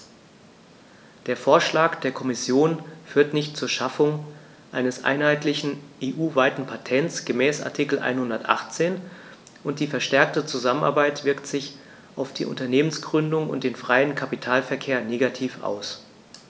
Der Vorschlag der Kommission führt nicht zur Schaffung eines einheitlichen, EU-weiten Patents gemäß Artikel 118, und die verstärkte Zusammenarbeit wirkt sich auf die Unternehmensgründung und den freien Kapitalverkehr negativ aus.